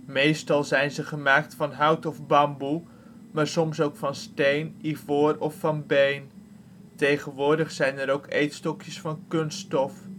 Meestal zijn ze gemaakt van hout of bamboe, maar soms ook van steen, ivoor of van been. Tegenwoordig zijn er ook eetstokjes van kunststof